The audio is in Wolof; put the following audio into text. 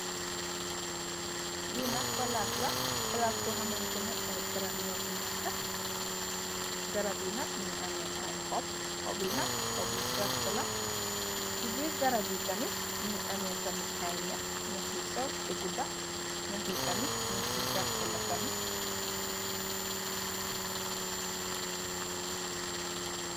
Fee nak plass la plass bu hamtane aye garab nufe neka garab ye nak nuge ameh aye xoop xoop ye nak xoop yu verte la se birr garab ye tamin muge ameh tamin aye naax naax yu seew teh gouda naax ye tamin naax yu verte la tamin.